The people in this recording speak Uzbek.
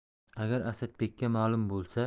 agar asadbekka ma'lum bo'lsa